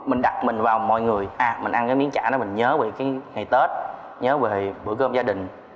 mình đặt mình vào mọi người à mình ăn miếng chả mình nhớ về cái ngày tết nhớ về bữa cơm gia đình